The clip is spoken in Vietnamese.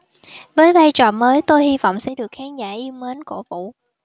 với vai trò mới tôi hi vọng sẽ được khán giả yêu mến cổ vũ